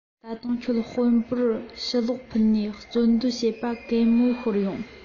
ད དུང ཁྱོད དཔོན པོར ཞུ ལོག ཕུལ ནས རྩོད འདོད བྱེད པ གད མོ ཤོར ཡོང